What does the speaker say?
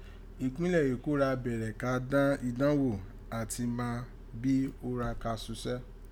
Ipinlẹ Eko ra bẹrẹ ka dán idán gwò ati mà bi o ra ka susẹ́.